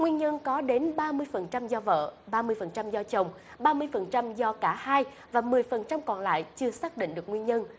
nguyên nhân có đến ba mươi phần trăm do vợ ba mươi phần trăm do chồng ba mươi phần trăm do cả hai và mười phần trăm còn lại chưa xác định được nguyên nhân